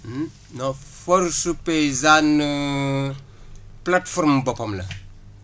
waa force paysane plateforme boppam la